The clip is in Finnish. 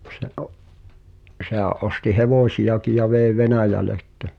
se - sehän osti hevosiakin ja vei Venäjälle että